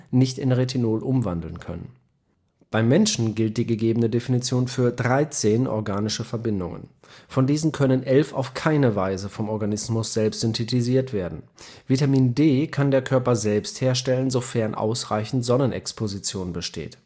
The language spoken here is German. nicht in Retinol umwandeln können. Beim Menschen gilt die oben angegebene Definition für 13 organische Verbindungen. Von diesen können 11 auf keine Weise vom Organismus selbst synthetisiert werden. Vitamin D kann der Körper selbst herstellen, sofern ausreichend Sonnenexposition besteht